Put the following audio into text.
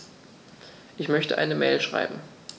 Ich möchte eine Mail schreiben.